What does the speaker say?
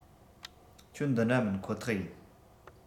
ཁྱོད འདི འདྲ མིན ཁོ ཐག ཡིན